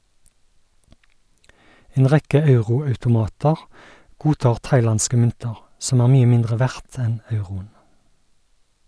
En rekke euro-automater godtar thailandske mynter, som er mye mindre verdt enn euroen.